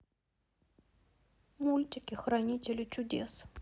мультики хранители чудес